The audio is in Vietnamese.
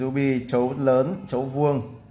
viên ruby trấu lớn trấu vuông